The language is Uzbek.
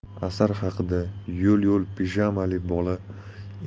asar haqida yo'l yo'l pijamali